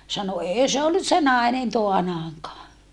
sanoi ei se ollut se nainen taanaankaan